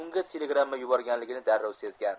unga telegramma yuborganligini darrov sezgan